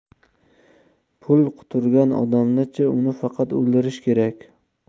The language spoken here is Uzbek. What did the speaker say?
pul quturtirgan odamni chi uni faqat o'ldirish kerak